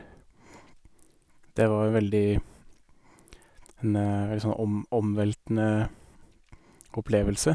Det var jo veldig en veldig sånn om omveltende opplevelse.